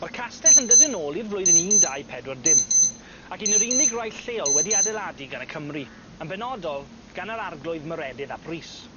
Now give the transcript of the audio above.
Ma'r castell yn dyddio nôl i'r flwyddyn un dau pedwar dim ac un o'r unig rai lleol wedi adeiladu gan y Cymry, yn benodol gan yr arglwydd Maredydd ap Rhys.